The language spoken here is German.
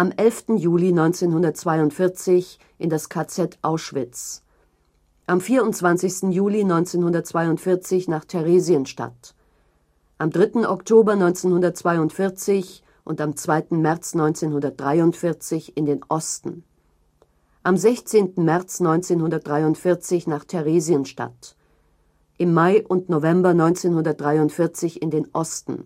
11. Juli 1942 in das KZ Auschwitz, am 24. Juli 1942 nach Theresienstadt, am 3. Oktober 1942 und 2. März 1943 in den Osten, am 16. März 1943 nach Theresienstadt, im Mai und November 1943 in den Osten